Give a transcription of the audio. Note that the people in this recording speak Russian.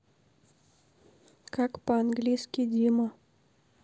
как по английски дима